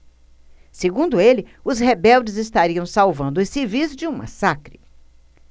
segundo ele os rebeldes estariam salvando os civis de um massacre